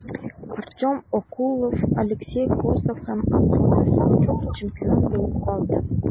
Артем Окулов, Алексей Косов һәм Антоний Савчук чемпион булып калды.